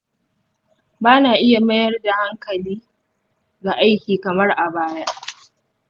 ba na iya mayar da hankali ga aiki kamar a baya.